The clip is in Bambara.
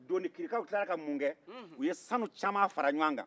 do ni kiri kaw tilara ka mun kɛ u ye sanu caman fara ɲuwan kan